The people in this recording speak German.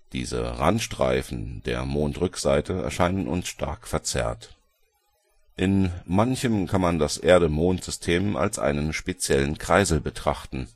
Diese Randstreifen der Mondrückseite erscheinen uns stark verzerrt. In Manchem kann man das Erde-Mond-System als einen speziellen Kreisel betrachten